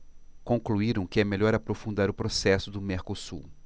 concluíram que é melhor aprofundar o processo do mercosul